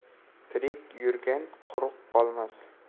tirik yurgan quruq qolmas